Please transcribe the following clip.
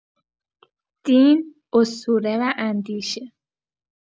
دین، اسطوره و اندیشه